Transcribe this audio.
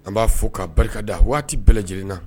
An b'a fɔ k'a barikada waati bɛɛ lajɛlenna